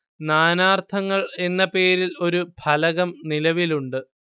നാനാർത്ഥങ്ങൾ എന്ന പേരിൽ ഒരു ഫലകം നിലവിലുണ്ട്